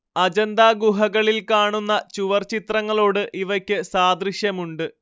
അജന്താ ഗുഹകളിൽ കാണുന്ന ചുവർ ചിത്രങ്ങളോട് ഇവയ്ക്ക് സാദൃശ്യമുണ്ട്